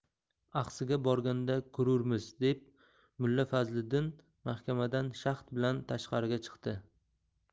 axsiga borganda ko'rurmiz deb mulla fazliddin mahkamadan shaxt bilan tashqariga chiqdi